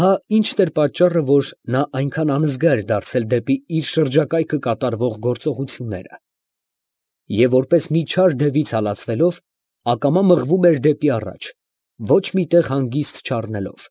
Ահա՜ ինչ էր պատճառը, որ նա այնքան անզգա էր դարձել դեպի իր շրջակայքը կատարվող գործողությունները, և որպես մի չար դևից հալածվելով, ակամա մղվում էր դեպի առաջ, ոչ մի տեղ հանգիստ չառնելով։